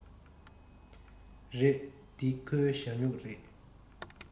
རེད འདི ཁོའི ཞ སྨྱུག རེད